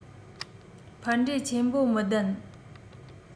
ཕན འབྲས ཆེན པོ མི ལྡན